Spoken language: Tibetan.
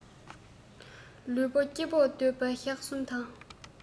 ལུས པོ སྐྱིད པོར སྡོད པ ཞག གསུམ དང